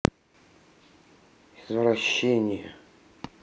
извращение